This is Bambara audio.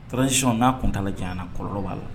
Tarawelezsiɔn n'a kun' janana kɔlɔlɔnlɔ b'a la